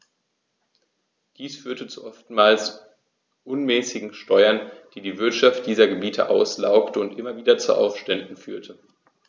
Dies führte zu oftmals unmäßigen Steuern, die die Wirtschaft dieser Gebiete auslaugte und immer wieder zu Aufständen führte.